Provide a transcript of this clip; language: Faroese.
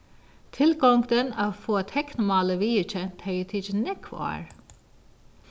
tilgongdin at fáa teknmálið viðurkent hevði tikið nógv ár